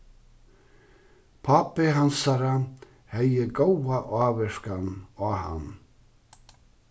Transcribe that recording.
pápi hansara hevði góða ávirkan á hann